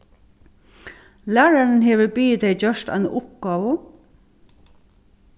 lærarin hevur biðið tey gjørt eina uppgávu